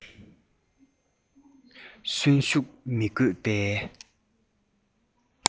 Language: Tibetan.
གསོན ཤུགས མི དགོས པའི